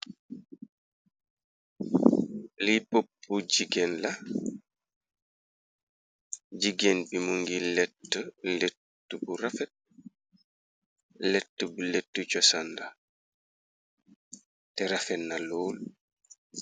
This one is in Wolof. Li bopu jiggéen la, jigéen bi, mungi lettu lett bu rafett. Lettu bi letti ćosan la, te rafetna lool.